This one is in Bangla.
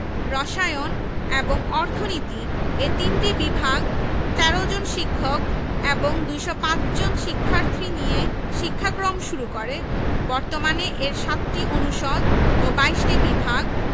রসায়ন এবং অর্থনীতি এ তিনটি বিভাগ ১৩ জন শিক্ষক এবং ২০৫ জন শিক্ষার্থী নিয়ে শিক্ষাক্রম শুরু করে বর্তমানে এর ৭টি অনুষদ ও ২২টি বিভাগ